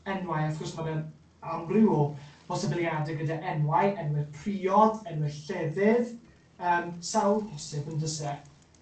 Enwau wrth gwrs ma' 'na amryw o bosibiliade gyda enwau, enwe priod, enwe llefydd yym sawl posib on'd o's e?